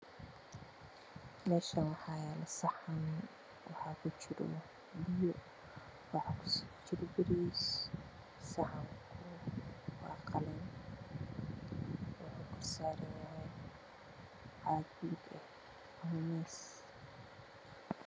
Meshan waxaa yaalo saxan waxaa ku jiro bariis